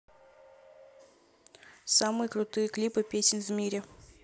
самые крутые клипы песен в мире